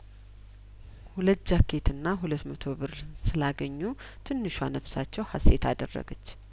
ሁለት ጃኬትና ሁለት መቶ ብር ስላገኙ ትንሿ ነፍሳቸው ሀሴት አደረገች